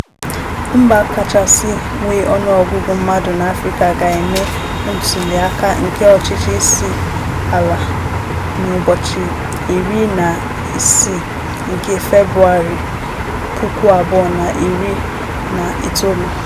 Mba kachasị nwee ọnụọgụgụ mmadụ n'Afrịka, ga-eme ntụliaka nke ọchịchị isi ala n'ụbọchị 16 nke Febụwarị, 2019.